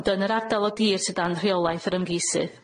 Ond yn yr ardal o dir sy 'dan rheolaeth yr ymgeisydd.